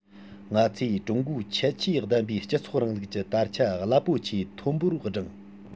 ང ཚོས ཀྲུང གོའི ཁྱད ཆོས ལྡན པའི སྤྱི ཚོགས རིང ལུགས ཀྱི དར ཆ རླབས པོ ཆེ མཐོན པོར བསྒྲེངས